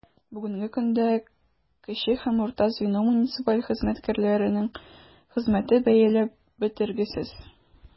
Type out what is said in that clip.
Бүгенге көндә кече һәм урта звено муниципаль хезмәткәрләренең хезмәте бәяләп бетергесез.